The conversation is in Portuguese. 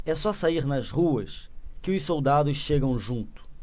é só sair nas ruas que os soldados chegam junto